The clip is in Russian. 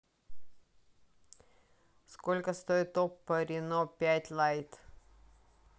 сколько стоит oppo reno пять лайт